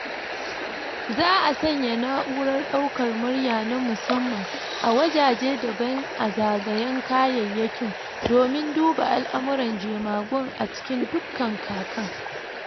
za’a sanya naurar daukar murya na musamman a wajeje daban a zagayen kayayyakin domin duba al’amuran jemagun a cikin dukkan kakan.